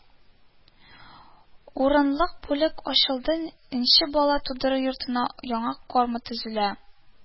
Урынлык бүлек ачылды, нче бала тудыру йортына янкорма төзелә